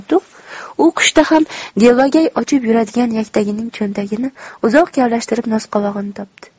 u qishda ham delvagay ochib yuradigan yaktagining cho'ntagini uzoq kavlashtirib nosqovog'ini topdi